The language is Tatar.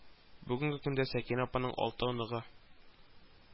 Бүгенге көндә Сәкинә апаның алты оныгы